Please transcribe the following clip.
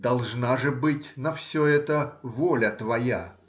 Должна же быть на все это воля твоя